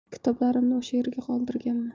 kitoblarimni o'sha yerda qoldirganman